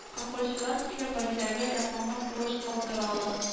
Колхозчылар килеп, Гадиләгә ясалма сулыш алдыралар